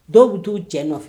Dɔw bɛ t'u jɛ nɔfɛ